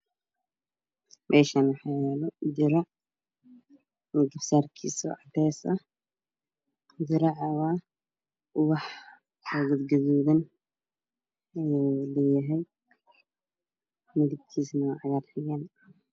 Meshan waxaa yala dirac iyo gabasarkiisa oo cadeesa diraca waa ubax gaduudan